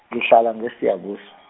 ngihlala ngeSiyabuswa.